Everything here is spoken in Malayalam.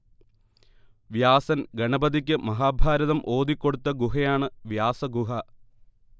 വ്യാസൻ ഗണപതിക്ക് മഹാഭാരതം ഓതിക്കൊടുത്ത ഗുഹയാണ് വ്യാസഗുഹ